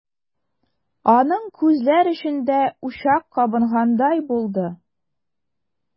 Аның күзләр эчендә учак кабынгандай булды.